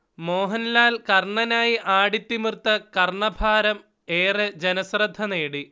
മോഹൻലാൽ കർണനായി ആടിത്തിമിർത്ത കർണഭാരം ഏറെ ജനശ്രദ്ധ നേടി